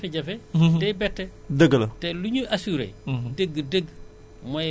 boo soxlayee nga defar noonu parce que risque wala jafe-jafe